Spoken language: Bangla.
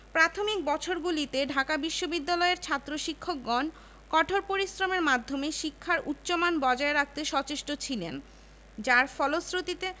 প্রাথমিক বছরগুলিতে ঢাকা বিশ্ববিদ্যালয়ের ছাত্র শিক্ষকগণ কঠোর পরিশ্রমের মাধ্যমে শিক্ষার উচ্চমান বজায় রাখতে সচেষ্ট ছিলেন যার ফলশ্রুতিতে